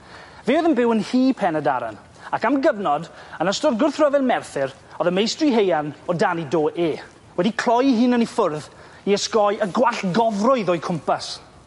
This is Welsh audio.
Fe o'dd yn byw yn nhŷ Pen-y Daran, ac am gyfnod yn ystod gwrthryfel Merthyr, o'dd y meistri haearn o dan 'i do e, wedi cloi 'u hunan i ffwrdd i osgoi y gwallgofrwydd o'u cwmpas.